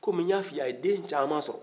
kɔmi n y'a f'i ye a ye den caman sɔrɔ